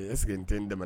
Ɛ est ce que n tɛ n dɛmɛ